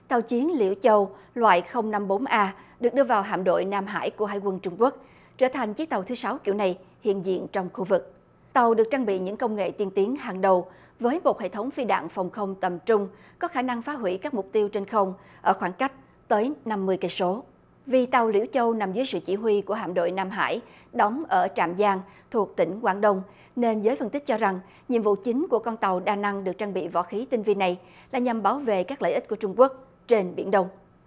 tàu chiến liễu châu loại không năm bốn a được đưa vào hạm đội nam hải của hải quân trung quốc trở thành chiếc tàu thứ sáu kiểu này hiện diện trong khu vực tàu được trang bị những công nghệ tiên tiến hàng đầu với một hệ thống phi đạn phòng không tầm trung có khả năng phá hủy các mục tiêu trên không ở khoảng cách tới năm mươi cây số vì tàu liễu châu nằm dưới sự chỉ huy của hạm đội nam hải đóng ở trạm giang thuộc tỉnh quảng đông nên giới phân tích cho rằng nhiệm vụ chính của con tàu đa năng được trang bị vũ khí tinh vi này là nhằm bảo vệ các lợi ích của trung quốc trên biển đông